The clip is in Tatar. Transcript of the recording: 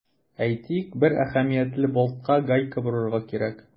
Әйтик, бер әһәмиятле болтка гайка борырга кирәк.